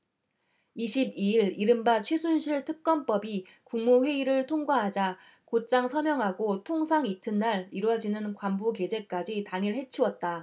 이십 이 일 이른바 최순실 특검법이 국무회의를 통과하자 곧장 서명하고 통상 이튿날 이뤄지는 관보게재까지 당일 해치웠다